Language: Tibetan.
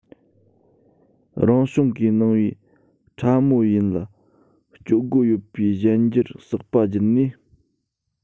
རང བྱུང གིས གནང བའི ཕྲ མོ ཡིན ལ སྤྱོད སྒོ ཡོད པའི གཞན འགྱུར བསགས པ བརྒྱུད ནས